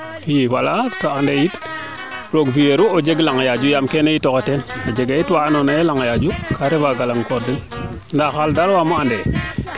i wala te ande yit roog fi'eru o jeg laŋ yaaju yaam keene yit oxey teen a njega yit waa ando naye laŋ yaaju ka refa galang koor den ndaa xaal daal wamo ande